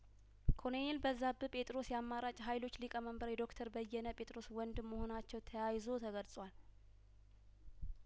ኮሎኔል በዛብህ ጴጥሮስ የአማራጭ ሀይሎች ሊቀመንበር የዶክተር በየነ ጴጥሮስ ወንድም መሆናቸው ተያይዞ ተገልጿል